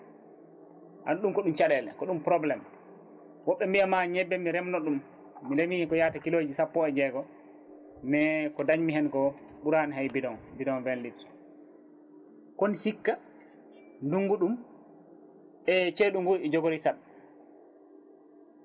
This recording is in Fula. andi ɗum ko ɗum caɗele ko ɗum probléme woɓɓe mbiyatma ñebbe mi remno ɗum mi reemi ko yaata kilos sappo e jeegom mais ko dañmi hen ko ɓuurani hay bidon bidon vinght litres kono hikka ndungngu ɗu e ceeɗu ngu e jogori saat